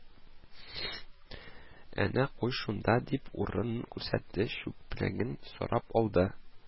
– әнә куй шунда, – дип, урын күрсәтте, чүпрәген сорап алды